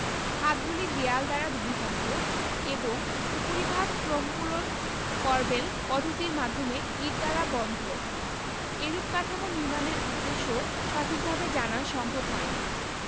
খাতগুলি দেয়াল দ্বারা বিভক্ত এবং উপরিভাগ ক্রমপূরণ করবেল পদ্ধতির মাধ্যমে ইট দ্বারা বন্ধ এরূপ কাঠামো নির্মাণের উদ্দেশ্য সঠিকভাবে জানা সম্ভব হয় নি